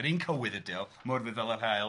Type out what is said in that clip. Yr un cywydd ydi o, Morfudd fel yr haul.